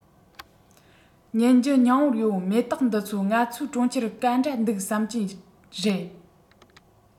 ཉིན རྒྱུན སྙིང པོར ཡོང མེ ཏོག འདི ཚོ ང ཚོས གྲོང ཁྱེར གང འདྲ འདུག བསམ གྱིན རེད